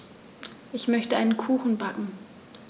Ich möchte einen Kuchen backen.